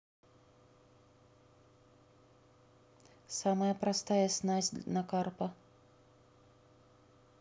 самая простая снасть на карпа